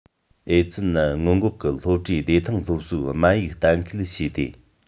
ཨེ ཙི ནད སྔོན འགོག གི སློབ གྲྭའི བདེ ཐང སློབ གསོའི སྨན ཡིག གཏན ཁེལ བྱས ཏེ